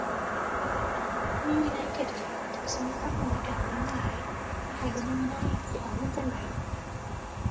มีวินัยก็ดี ถึงสิมีความรู้ในการเงินหลาย แต่ถ้าบ่มีวินัยสิออมเงินจั่งใด